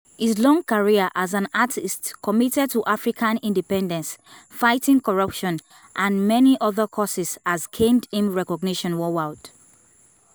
His long career as an artist committed to African independence, fighting corruption, and many other causes has gained him recognition worldwide.